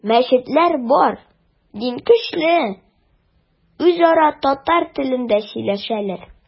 Мәчетләр бар, дин көчле, үзара татар телендә сөйләшәләр.